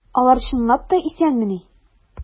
Алар чынлап та исәнмени?